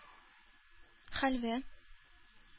Хәлвә